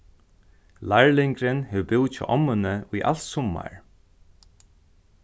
lærlingurin hevur búð hjá ommuni í alt summar